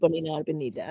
Bod ni yna erbyn 'ny de.